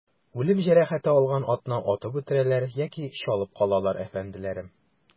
Үлем җәрәхәте алган атны атып үтерәләр яки чалып калалар, әфәнделәрем.